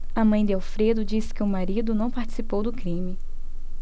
a mãe de alfredo diz que o marido não participou do crime